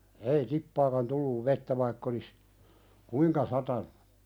ei tippaakaan tullut vettä vaikka olisi kuinka satanut